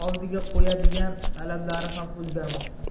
oldiga qo'yadigan talablari ham o'zgarmoqda